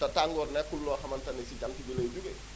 te tàngoor nekkul loo xamante ni si jant bi lay jógee